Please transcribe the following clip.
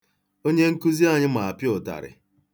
Onyenkụzi anyị ma apịa ụtarị.